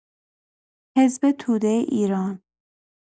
حزب توده ایران